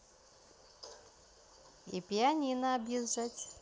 и пианино объезжать